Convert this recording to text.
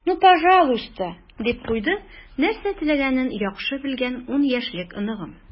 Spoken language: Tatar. "ну пожалуйста," - дип куйды нәрсә теләгәнен яхшы белгән ун яшьлек оныгым.